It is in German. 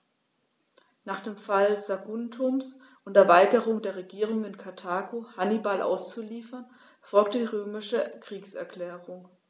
Nach dem Fall Saguntums und der Weigerung der Regierung in Karthago, Hannibal auszuliefern, folgte die römische Kriegserklärung.